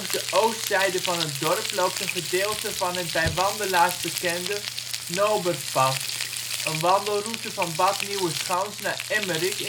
de oostzijde van het dorp loopt een gedeelte van het bij wandelaars bekende " Noaberpad ", een wandelroute van Bad Nieuweschans naar Emmerik